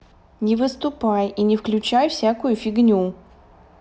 не выступай и не включай всякую фигню